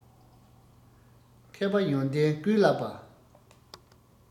མཁས པ ཡོན ཏན ཀུན བསླབས པ